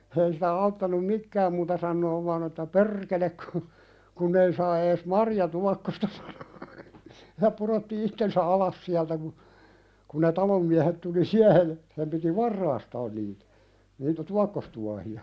ei siitä auttanut mitään muuta sanoa vain että perkele kun kun ei saa edes marjatuokkosta sanoi ja pudotti itsensä alas sieltä kun kun ne talon miehet tuli siihen ja sen piti varastaa niitä niitä tuokkostuohia